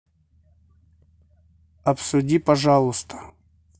обсуди пожалуйста